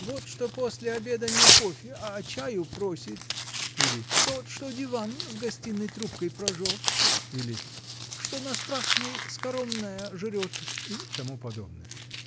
— Вот что после обеда не кофе, а чаю просит, — или: — тот, что диван в гостиной трубкой прожег, — или: — что на Страстной скоромное жрет и т. п.